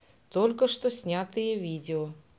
только что снятые видео